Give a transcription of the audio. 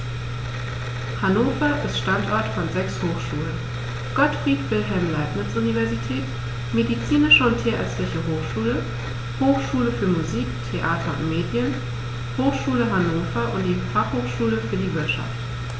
Hannover ist Standort von sechs Hochschulen: Gottfried Wilhelm Leibniz Universität, Medizinische und Tierärztliche Hochschule, Hochschule für Musik, Theater und Medien, Hochschule Hannover und die Fachhochschule für die Wirtschaft.